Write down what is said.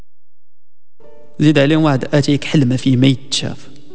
حلم في ميت شرف